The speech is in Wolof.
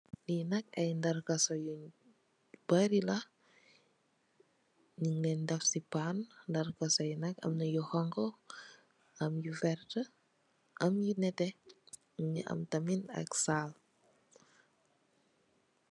Lee nak aye narcahew yu bary la nug len def se pan narcahew ye nak amna yu hauhu am yu werte am yu neteh muge am tamin ak sal.